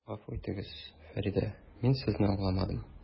Гафу итегез, Фәридә, мин Сезне аңламадым.